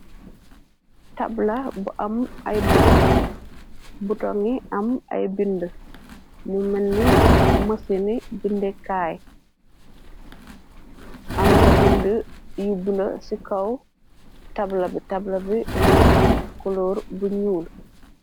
Tabla bu am ay button, button yi am ay bind mu melni mësini bindé kay am na bind yi bula ci kaw tabla bi tabla bi mu ngi am kolor bu ñuul.